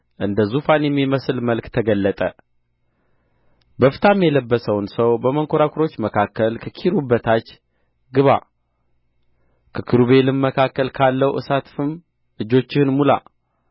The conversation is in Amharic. እንደ ዙፋን የሚመስል መልክ ተገለጠ በፍታም የለበሰውን ሰው በመንኰራኵሮች መካከል ከኪሩብ በታች ግባ ከኪሩቤልም መካከል ካለው እሳት ፍም እጆችህን ሙላ